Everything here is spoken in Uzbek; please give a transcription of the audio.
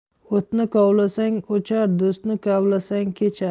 o'tni kovlasang o'char do'stni kavlasang kechar